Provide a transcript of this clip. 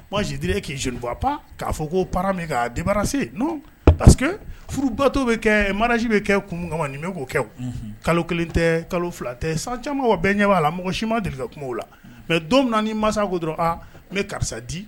Wa sidi k'ifa pa k'a fɔ ko pa min debarara se parce queke furubato bɛ kɛ maraji bɛ kɛ kunumu kama nin bɛ'o kɛ kalo kelen tɛ kalo fila tɛ san caman o bɛɛ ɲɛba la mɔgɔ si ma de kungo la mɛ don ni mansa ko dɔrɔn n bɛ karisa di